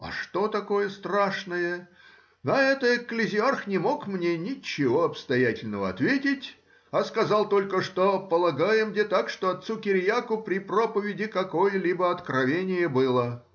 А что такое страшное, на это экклезиарх не мог мне ничего обстоятельного ответить, а сказал только, что полагаем-де так, что отцу Кириаку при проповеди какое-либо откровение было.